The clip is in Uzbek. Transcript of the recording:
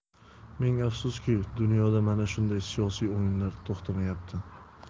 ming afsuski dunyoda mana shunday siyosiy o'yinlar to'xtamayapti